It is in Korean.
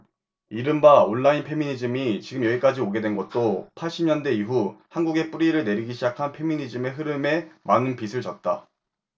이른바 온라인 페미니즘이 지금 여기까지 오게 된 것도 팔십 년대 이후 한국에 뿌리를 내리기 시작한 페미니즘의 흐름에 많은 빚을 졌다